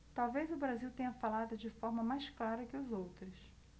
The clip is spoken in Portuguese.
talvez o brasil tenha falado de forma mais clara que os outros